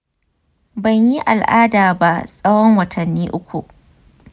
ban yi al’ada ba tsawon watanni uku.